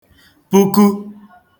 puku